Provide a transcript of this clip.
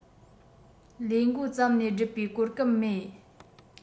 ལས མགོ བརྩམས ནས བསྒྲུབས པའི གོ སྐབས མེད